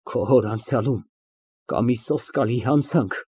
Քո հոր անցյալում կա մի սոսկալի հանցանք։